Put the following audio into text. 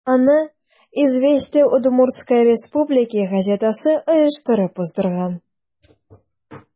Аны «Известия Удмуртсткой Республики» газетасы оештырып уздырган.